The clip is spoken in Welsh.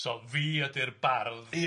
So fi ydy'r bardd ia.